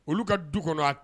Olu ka du kɔnɔ a